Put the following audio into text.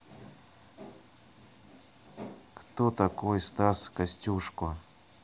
кто такой стас костюшко